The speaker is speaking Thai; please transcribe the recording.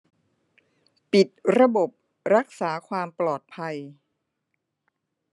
ปิดระบบรักษาความปลอดภัย